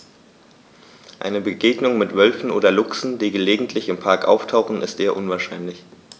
Eine Begegnung mit Wölfen oder Luchsen, die gelegentlich im Park auftauchen, ist eher unwahrscheinlich.